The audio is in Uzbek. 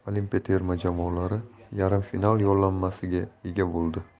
terma jamoalari yarim final yo'llanmasiga ega bo'ldi